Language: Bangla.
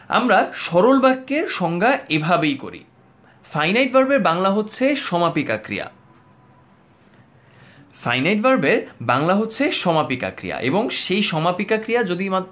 আমরা সরল বাক্যের সংজ্ঞা এভাবেই করি ফাইনাইট ভার্ব এর বাংলা হচ্ছে সমাপিকা ক্রিয়া ফাইনাইট ভার্বের বাংলা হচ্ছে সমাপিকা ক্রিয়া এবং সেই সমাপিকা ক্রিয়া যদি মাত্র